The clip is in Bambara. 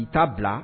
I ta bila